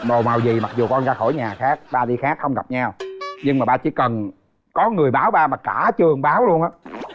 đồ màu gì mặc dù con ra khỏi nhà khác ba đi khác không gặp nhau nhưng mà ba chỉ cần có người báo ba mà cả trường báo luôn á